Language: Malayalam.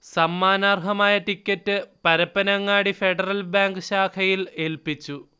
സമ്മാനർഹമായ ടിക്കറ്റ് പരപ്പനങ്ങാടി ഫെഡറൽ ബാങ്ക് ശാഖയിൽ ഏൽപിച്ചു